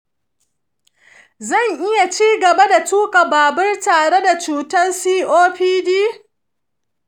zan iya ci gaba da tuka babur tare da cutar copd?